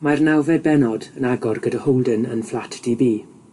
Mae'r nawfed bennod yn agor gyda Holden yn fflat Di Bi.